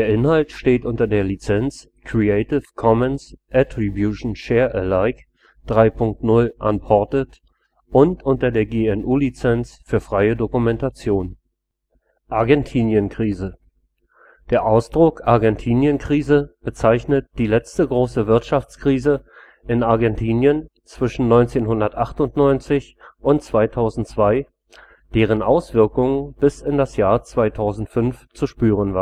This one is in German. Inhalt steht unter der Lizenz Creative Commons Attribution Share Alike 3 Punkt 0 Unported und unter der GNU Lizenz für freie Dokumentation. Der Ausdruck Argentinien-Krise bezeichnet die letzte große Wirtschaftskrise in Argentinien zwischen 1998 und 2002, deren Auswirkungen bis in das Jahr 2005 zu spüren